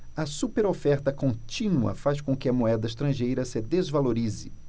a superoferta contínua faz com que a moeda estrangeira se desvalorize